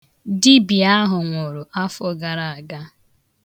Dibịa ahụ nwụrụ afọ gara aga.